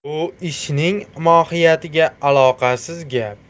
bu ishning mohiyatiga aloqasiz gap